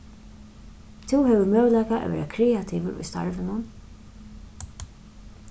tú hevur møguleika at vera kreativur í starvinum